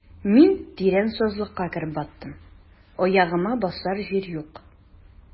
Мин тирән сазлыкка кереп баттым, аягыма басар җир юк.